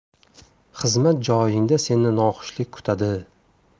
xizmat joyingda seni noxushlik kutadi